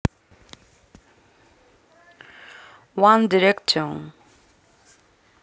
one direction